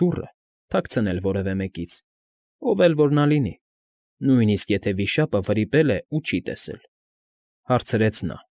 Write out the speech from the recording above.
Դուռը թաքցնել որևէ մեկից, ով էլ որ նա լինի, նույնիսկ եթե վիշապը վրիպել է ու չի տեսել, ֊ հարցրեց նա։